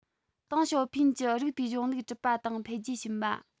ཏེང ཞའོ ཕིན གྱི རིགས པའི གཞུང ལུགས གྲུབ པ དང འཕེལ རྒྱས ཕྱིན པ